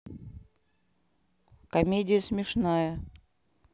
комедия смешная